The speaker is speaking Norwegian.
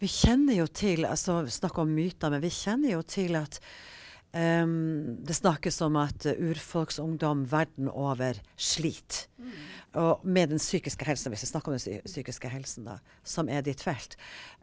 vi kjenner jo til altså snakker om myter men vi kjenner jo til at det snakkes om at urfolksungdom verden over sliter og med den psykiske helsa, vi skal snakke om den psykiske helsen da som er ditt felt.